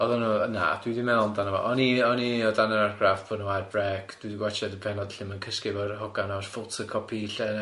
Oedden nhw yna, dwi di meddwl amdano fo o'n i o'n i o dan yr argraff bod nhw ar brêc dwi di watsiad y pennod lle ma'n cysgu fo'r hogan o'r photocopy lle yna.